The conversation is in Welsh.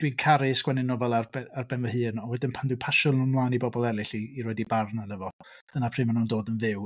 Dwi'n caru sgwennu nofelau ar be- ar ben fy hun, ond wedyn pan dwi'n pasio nhw mlaen i bobl eraill i i roid eu barn arna fo dyna pryd maen nhw'n dod yn fyw.